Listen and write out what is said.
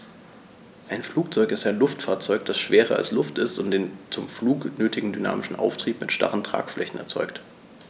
Ein Flugzeug ist ein Luftfahrzeug, das schwerer als Luft ist und den zum Flug nötigen dynamischen Auftrieb mit starren Tragflächen erzeugt.